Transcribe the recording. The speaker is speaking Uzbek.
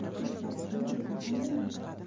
maktabligini o'zim ham bilaman